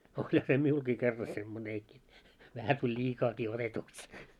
olihan se minullakin kerran semmoinenkin vähän tuli liikaakin otetuksi